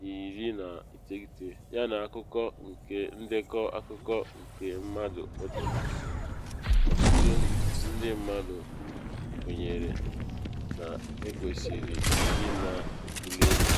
19 yana akụkụ nke ndekọ akụkọ nke mmadụ ọtụtụ ndị mmadụ kwenyere na ekwesịrị ị na ebuli elu.